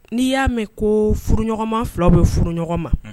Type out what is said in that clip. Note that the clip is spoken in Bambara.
N'i y'a mɛn ko furuɔgɔma filaw bɛ furu ɲɔgɔn ma